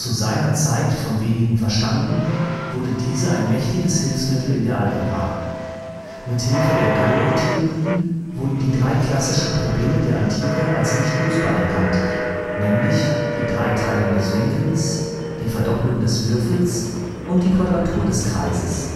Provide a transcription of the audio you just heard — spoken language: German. seiner Zeit von wenigen verstanden, wurde diese ein mächtiges Hilfsmittel in der Algebra. Mit Hilfe der Galoistheorie wurden die drei klassischen Probleme der Antike als nicht lösbar erkannt, nämlich die Dreiteilung des Winkels, die Verdoppelung des Würfels und die Quadratur des Kreises